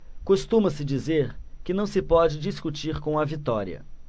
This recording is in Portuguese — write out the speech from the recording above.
costuma-se dizer que não se pode discutir com a vitória